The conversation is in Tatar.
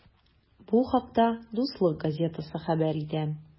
Бу хакта “Дуслык” газетасы хәбәр итә.